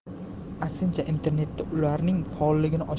aksincha internetda ularning